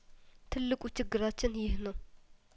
ትልቁ ችግራችን ይህ ነው